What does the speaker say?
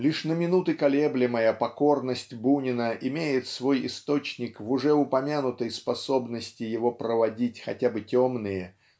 лишь на минуты колеблемая покорность Бунина имеет свой источник в уже упомянутой способности его проводить хотя бы темные